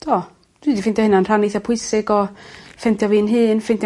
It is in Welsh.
Do. Dwi 'di findio hyna'n rhan eitha pwysig o ffrindia fi'n hun ffrindia...